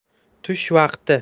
tush vaqti